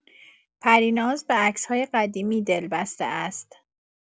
پریناز به عکس‌های قدیمی دل‌بسته است.